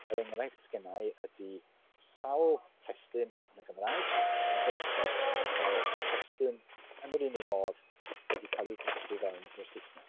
Yr enghraifft sy gen i ydy sawl testun yn y Gymraeg a gyfochrog yr testun yn yr un un modd wedi cael ei drosi fewn i'r Saesneg.